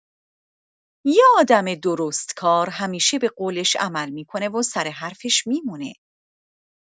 یه آدم درستکار همیشه به قولش عمل می‌کنه و سر حرفش می‌مونه.